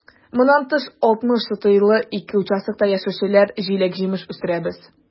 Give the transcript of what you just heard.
Моннан тыш, 60 сотыйлы ике участокта яшелчәләр, җиләк-җимеш үстерәбез.